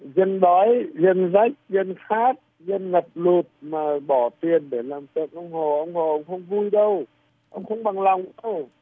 dân đói dân rách dân khát dân ngập lụt mà bỏ tiền để làm tượng ông hồ ông hồ ông không vui đâu ông không bằng lòng đâu